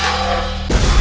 tôi